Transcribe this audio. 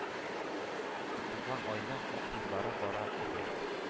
Тулган айның, ак нурлары бары бергә